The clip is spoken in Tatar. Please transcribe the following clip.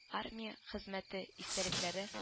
Армия хезмәте истәлекләре